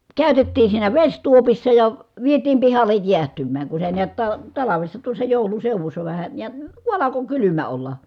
käytettiin siinä vesituopissa ja vietiin pihalle jäähtymään kun se näet - talvessa tuossa joulun seudussa vähän ja kun alkoi kylmä olla